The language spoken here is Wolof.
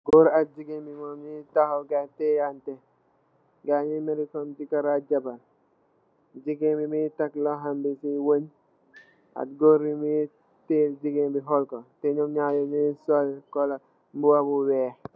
Goor ak gigeen nyunge takhaw teyenteh gai nyunge melni jeker ak jabar jeker bi munge tek lukhom bi si gigeen bi di khulanteh